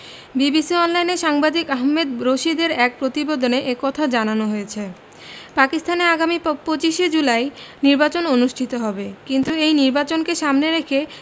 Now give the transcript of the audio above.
BBC অনলাইনে সাংবাদিক আহমেদ রশিদের এক প্রতিবেদনে এ কথা জানানো হয়েছে পাকিস্তানে আগামী ২৫ শে জুলাই নির্বাচন অনুষ্ঠিত হবে কিন্তু এই নির্বাচনকে সামনে রেখে